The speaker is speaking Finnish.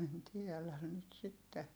en tiedä nyt sitten